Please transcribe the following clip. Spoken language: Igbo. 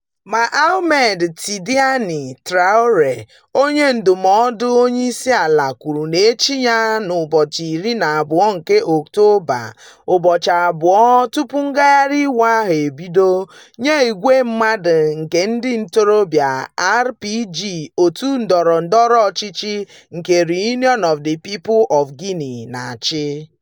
Ma, Ahmed Tidiane Traoré, onye ndụmọdụ onyeisiala, kwuru n'echi ya n'ụbọchị 12 nke Ọktoba, —ụbọchị abụọ tupu ngagharị iwe ahụ ebido, — nye igwe mmadụ nke ndị ntorobịa RPG [òtù ndọrọ ndọrọ ọchịchị nke Reunion of the People of Guinea na-achị]: